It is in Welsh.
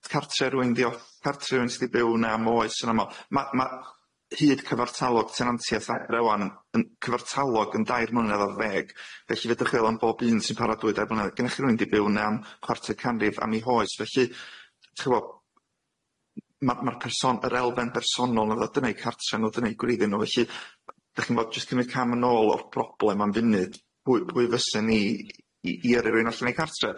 Cartre rywun di off- cartre rywun sydd i byw wne am oes yn amal ma' ma' hyd cyfartalog tenantiaeth a- rewan yn cyfartalog yn dair mlynedd ar ddeg felly fedrwch feddwl am bob un sy'n para dwy dair mlynedd gynnoch chi rywun di byw yne am chwarter canrif am ei oes felly ch'mo' ma'r ma'r person- yr elfen bersonol nath o dyna i cartre nw dyna i gwreiddi nw felly dach chi'n fod jyst cynnydd cam yn ôl o'r broblem am funud pwy pwy fysen i i i yrru rywun allan i cartre?